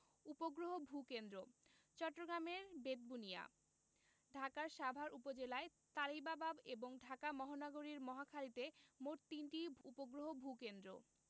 উপগ্রহ ভূ কেন্দ্রঃ চট্টগ্রামের বেতবুনিয়া ঢাকার সাভার উপজেলায় তালিবাবাদ এবং ঢাকা মহানগরীর মহাখালীতে মোট তিনটি উপগ্রহ ভূ কেন্দ্র